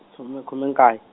khume khume nkay-.